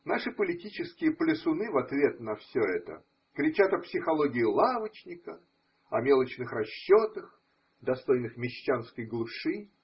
Наши политические плясуны в ответ на все это кричат о психологии лавочника, о мелочных расчетах, достойных мещанской глуши.